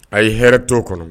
A ye hɛrɛ to kɔnɔ